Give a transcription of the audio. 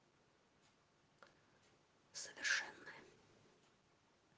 совершенное